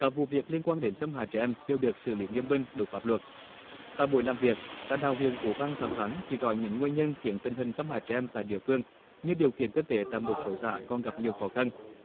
các vụ việc liên quan đến xâm hại trẻ em đều được xử lý nghiêm minh đúng pháp luật tại buổi làm việc lãnh đạo huyện phú vang thẳng thắn chỉ rõ những nguyên nhân khiến tình hình xâm hại trẻ em tại địa phương như điều kiện kinh tế tại một số xã còn gặp nhiều khó khăn